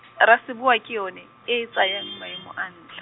a Raseboa ke yone, e e tsayang maemo a ntlha.